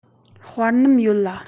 དཔར ནམ ཡོད ལ